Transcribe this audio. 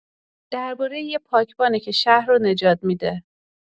درباره یه پاکبانه که شهر رو نجات می‌ده.